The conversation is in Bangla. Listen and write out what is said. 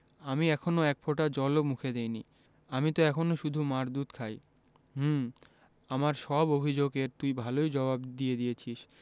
আমি এখনো এক ফোঁটা জল ও মুখে দিইনি আমি ত এখনো শুধু মার দুধ খাই হুম আমার সব অভিযোগ এর তুই ভালই জবাব দিয়ে দিয়েছিস